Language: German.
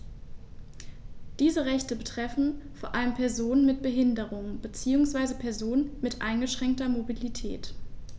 Diese Rechte betreffen vor allem Personen mit Behinderung beziehungsweise Personen mit eingeschränkter Mobilität.